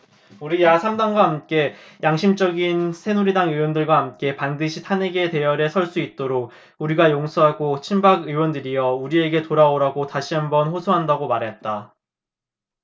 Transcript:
우리 야 삼 당과 함께 양심적인 새누리당 의원들과 함께 반드시 탄핵에 대열에 설 수 있도록 우리가 용서하고 친박 의원들이여 우리에게 돌아오라고 다시 한 번 호소한다고 말했다